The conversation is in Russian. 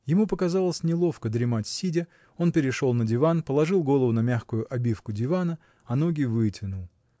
Ему показалось неловко дремать сидя, он перешел на диван, положил голову на мягкую обивку дивана, а ноги вытянул.